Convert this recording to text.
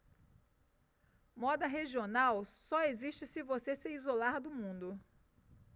moda regional só existe se você se isolar do mundo